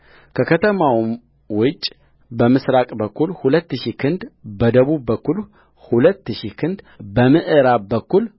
ከከተማው ውጭ በምሥራቅ በኩል ሁለት ሺህ ክንድ በደቡብ በኩል ሁለት ሺህ ክንድ በምዕራብ በኩል